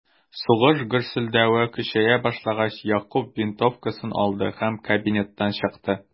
Сугыш гөрселдәве көчәя башлагач, Якуб винтовкасын алды һәм кабинеттан чыкты.